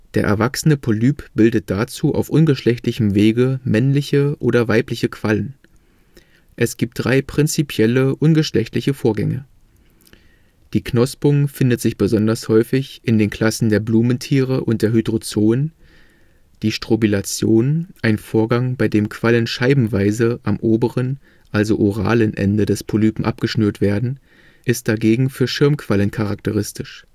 erwachsene Polyp bildet dazu auf ungeschlechtlichem Wege männliche oder weibliche Quallen. Es gibt drei prinzipielle ungeschlechtliche Vorgänge: Knospung findet sich besonders häufig in den Klassen der Blumentiere und der Hydrozoen. Strobilation, ein Vorgang, bei dem Quallen scheibenweise am oberen (oralen) Ende des Polypen abgeschnürt werden, ist dagegen für Schirmquallen charakteristisch